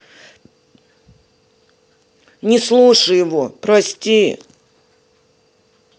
не слушай его прости